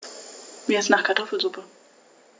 Mir ist nach Kartoffelsuppe.